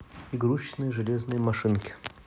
игрушечные железные машинки